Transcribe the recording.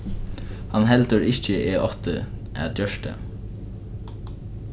hann heldur ikki eg átti at gjørt tað